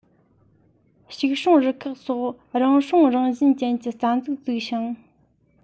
ཕྱུགས སྲུང རུ ཁག སོགས རང སྲུང རང བཞིན ཅན གྱི རྩ འཛུགས བཙུགས ཤིང